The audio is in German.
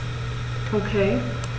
Okay.